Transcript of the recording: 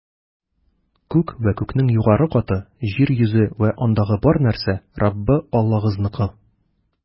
Күк вә күкнең югары каты, җир йөзе вә андагы бар нәрсә - Раббы Аллагызныкы.